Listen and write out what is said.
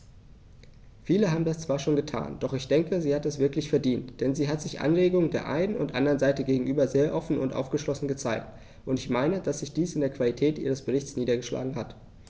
Viele haben das zwar schon getan, doch ich denke, sie hat es wirklich verdient, denn sie hat sich Anregungen der einen und anderen Seite gegenüber sehr offen und aufgeschlossen gezeigt, und ich meine, dass sich dies in der Qualität ihres Berichts niedergeschlagen hat.